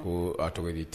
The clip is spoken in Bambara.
Ko a tɔgɔ di tɛ